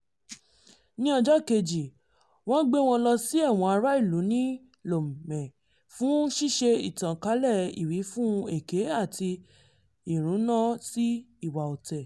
Ní ọjọ́ kejì, wọ́n gbé wọn lọ sí ẹ̀wọ̀n ará-ìlú ní Lomé fún ṣíṣe ìtànkálẹ̀ ìwífún èké àti ìrúnná sí ìwà ọ̀tẹ̀.